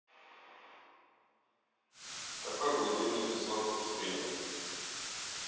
какой глубинный песок в пустыне